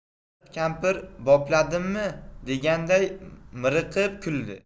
risolat kampir bopladimmi deganday miriqib kuldi